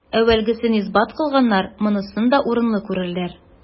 Әүвәлгесен исбат кылганнар монысын да урынлы күрерләр.